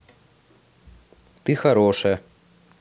ты хорошая